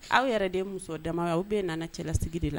Aw yɛrɛ de muso dama aw bɛɛ cɛlasigi de la